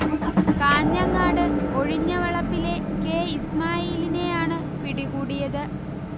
കാഞ്ഞങ്ങാട് ഒഴിഞ്ഞവളപ്പിലെ കെ. ഇസ്മായിലിനെ യാണ് പിടികൂടിയത്